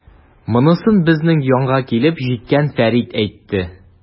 Монысын безнең янга килеп җиткән Фәрит әйтте.